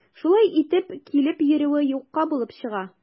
Шулай итеп, килеп йөрүе юкка булып чыга.